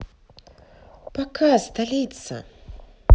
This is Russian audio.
пока столица